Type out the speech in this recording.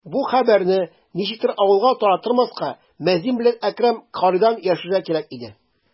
Бу хәбәрне ничектер авылга тараттырмаска, мәзин белән Әкрәм каридан яшерергә кирәк иде.